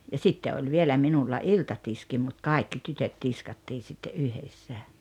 ja sitten oli vielä minulla iltatiski mutta kaikki tytöt tiskattiin sitten yhdessä